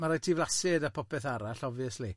Ma' raid ti flasu e da popeth arall, obviously.